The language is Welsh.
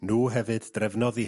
Nhw hefyd drefnodd i...